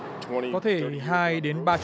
có thể hai đến ba